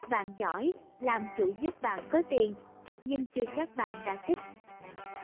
bạn giỏi làm chủ giúp bạn có tiền nhưng chưa chắc bạn đã thích